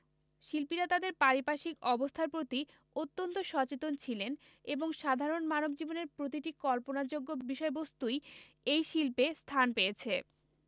শিল্পীরা তাদের পারিপার্শ্বিক অবস্থার প্রতি অত্যন্ত সচেতন ছিলেন এবং সাধারণ মানব জীবনের প্রতিটি কল্পনাযোগ্য বিষয়বস্তুই এই শিল্পে স্থান পেয়েছে